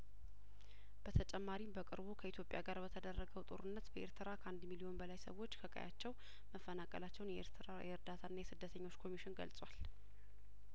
በተጨማሪም በቅርቡ ከኢትዮጵያ ጋር በተደረገው ጦርነት በኤርትራ ከአንድ ሚሊዮን በላይ ሰዎች ከቀያቸው መፈናቀላቸውን የኤርትራ የእርዳታና የስደተኞች ኮሚሽን ገልጿል